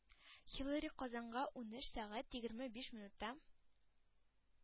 Хиллари Казанга унөч сәгать егерме биш минутта